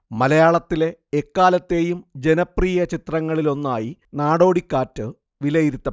മലയാളത്തിലെ എക്കാലത്തെയും ജനപ്രിയ ചിത്രങ്ങളിലൊന്നായി നടോടിക്കാറ്റ് വിലയിരുത്തപ്പെടുന്നു